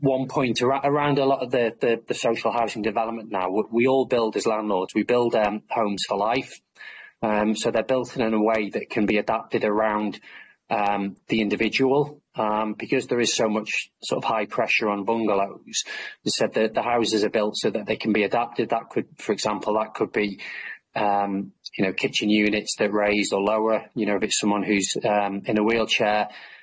one point ara- around a lot of the the the social housing development now w- we all build as landlords we build em homes for life erm so they're built in in a way that can be adapted around erm the individual erm because there is so much sort of high pressure on bungalows they said that the houses are built so that they can be adapted that could for example that could be erm you know kitchen units that raise or lower you know if it's someone who's erm in a wheelchair